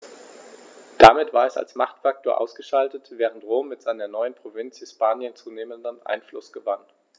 Damit war es als Machtfaktor ausgeschaltet, während Rom mit seiner neuen Provinz Hispanien zunehmend an Einfluss gewann.